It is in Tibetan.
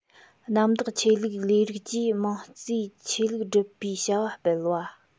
གནམ བདག ཆོས ལུགས ལས རིགས ཀྱིས དམངས གཙོས ཆོས ལུགས སྒྲུབ པའི བྱ བ སྤེལ བ